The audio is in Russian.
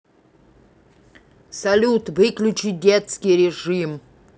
салют выключи детский режим